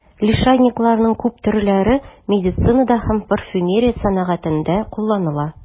Лишайникларның күп төрләре медицинада һәм парфюмерия сәнәгатендә кулланыла.